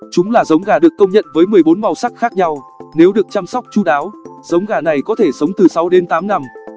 chúng là giống gà được công nhận với màu sắc khác nhau nếu được chăm sóc chu đáo giống gà này có thể sống từ năm